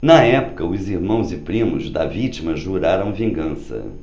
na época os irmãos e primos da vítima juraram vingança